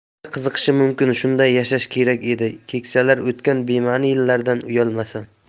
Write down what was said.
sizga qiziqishi mumkin shunday yashash kerak edi keksalik o'tgan bema'ni yillardan uyalmasin